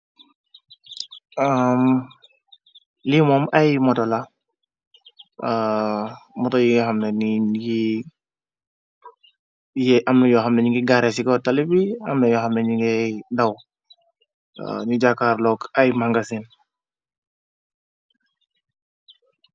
Li moom ay motola moto yamna yo xamna ñi ngi gaaree. Ci ko tali bi amnayo xamna ningay ndaw ñu jàakaar look ay mangasin.